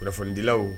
Kunnafonidilaw